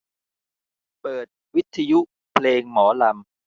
เปิดวิทยุเพลงหมอลำ